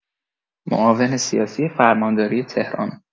معاون سیاسی فرمانداری تهران